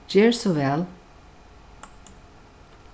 ger so væl